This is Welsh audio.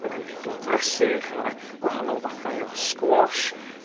ma' gynnon ni blodfresych ma' 'ne gwahanol fathau o squash